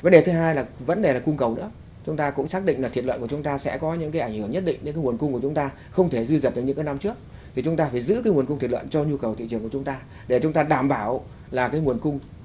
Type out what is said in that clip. vấn đề thứ hai là vấn đề cung cầu nữa chúng ta cũng xác định là thịt lợn của chúng ta sẽ có những cái ảnh hưởng nhất định nên nguồn cung của chúng ta không thể dư dật giống như các năm trước chúng ta phải giữ tư nguồn cung thịt lợn cho nhu cầu thị trường của chúng ta để chúng ta đảm bảo là cái nguồn cung